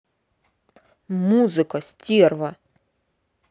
музыка стерва